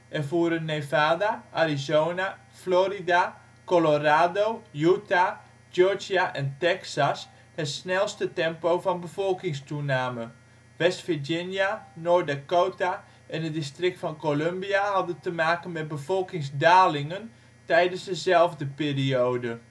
ervoeren Nevada, Arizona, Florida, Colorado, Utah, Georgië en Texas het snelste tempo van bevolkingstoename. West-Virginia, Noord-Dakota, en het District van Colombia hadden te maken met bevolkingsdalingen tijdens dezelfde periode